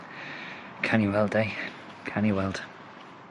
cawn ni weld ey cawn ni weld.